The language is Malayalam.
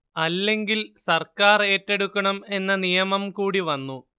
അല്ലെങ്കിൽ സർക്കാർ ഏറ്റെടുക്കണം എന്ന നിയമം കൂടി വന്നു